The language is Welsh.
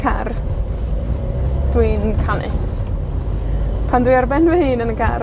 car. Dwi'n canu. Pan dwi ar ben fy hun yn y car.